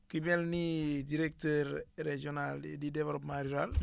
ku mel ni directeur régional du développement rural